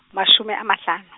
mashome a mahlano.